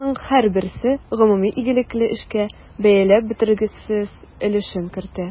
Аларның һәрберсе гомуми игелекле эшкә бәяләп бетергесез өлешен кертә.